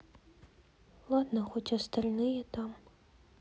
ладно хоть остальные там